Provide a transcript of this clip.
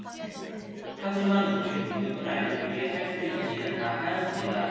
하지만 우리의 믿음을 알리기 위해 할 수 있는 일을 다하였습니다